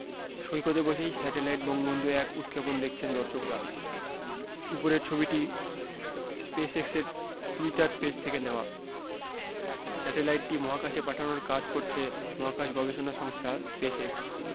সৈকতে বসেই স্যাটেলাইট বঙ্গবন্ধু ১ উৎক্ষেপণ দেখছেন দর্শকরা উপরের ছবিটি স্পেসএক্সের টুইটার পেজ থেকে নেওয়া স্যাটেলাইটটি মহাকাশে পাঠানোর কাজ করছে মহাকাশ গবেষণা সংস্থা স্পেসএক্স